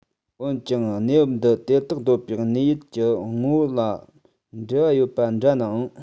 འོན ཀྱང གནས བབ འདི དེ དག སྡོད པའི གནས ཡུལ གྱི ངོ བོ ལ འབྲེལ བ ཡོད པ འདྲ ནའང